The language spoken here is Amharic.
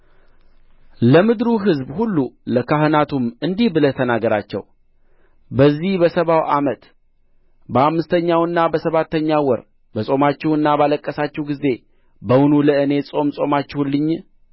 ለምድሩ ሕዝብ ሁሉ ለካህናትም እንዲህ ብለህ ተናገራቸው በዚህ በሰባው ዓመት በአምስተኛውና በሰባተኛው ወር በጾማችሁና ባለቀሳችሁ ጊዜ በውኑ ለእኔ ጾም ጾማችሁልኝ